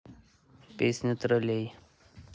песня троллей